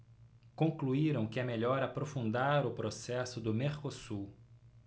concluíram que é melhor aprofundar o processo do mercosul